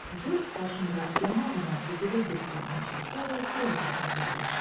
Йорт каршында яңа гына төзелеп беткән мәчеткә дә керергә өлгерде.